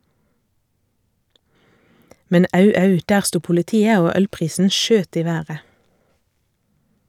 Men au, au, der sto politiet, og ølprisen skjøt i været.